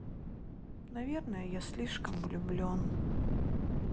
наверное я слишком влюблен